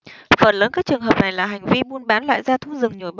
phần lớn các trường hợp này là hành vi buôn bán loại da thú rừng nhồi